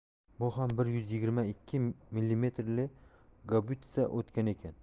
bu ham bir yuz yigirma ikki millimetrli gaubitsa otgan ekan